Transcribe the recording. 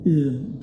un.